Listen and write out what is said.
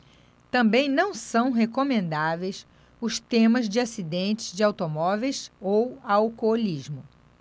também não são recomendáveis os temas de acidentes de automóveis ou alcoolismo